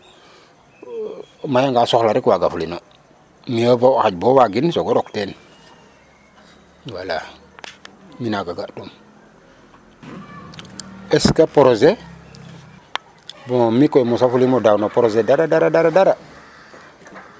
o maya nga soxla rek waga fulino mieux vaut o xaƴ bo wagin o sogo rok teen wala mi naga ga tum est ce que projet bon mikoy mosa fulimo daaw no projet dara dara dara